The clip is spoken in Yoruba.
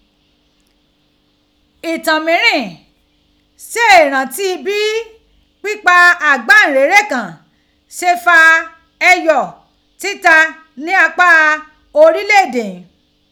Ìtàn mìírin ṣe rántí bí pípa àgbànrere kan ṣe fa iyọ̀ títà ní apá orílẹ̀ èdè ghin.